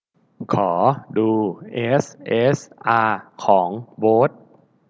ขอดูเอสเอสอาของโบ๊ท